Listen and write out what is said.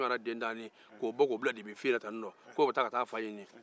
ka nin ɲɔgɔnna den bɔ ka bila ko bɛ taa a fa ɲini